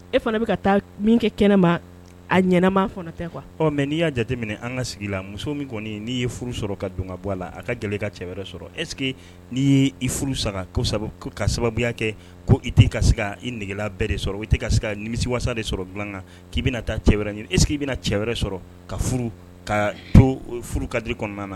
E fana bɛ ka taa min kɛ kɛnɛ ma a ɲma tɛ mɛ n'i y'a jate minɛ an ka sigi la muso min kɔni'i ye furu sɔrɔ ka don ka bɔ a la a ka gɛlɛ ka cɛ wɛrɛ sɔrɔ e que n'i ye i furu sara ka sababuya kɛ ko i tɛ ka i nɛgɛgela bɛɛ de sɔrɔ i tɛ ka sigi ni wasa de sɔrɔ bila kan k'i bɛna taa cɛ wɛrɛɛrɛ ɲini eseke i bɛna cɛ wɛrɛɛrɛ sɔrɔ ka furu ka furu kadiri kɔnɔna na